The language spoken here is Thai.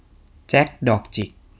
แจ็คดอกจิก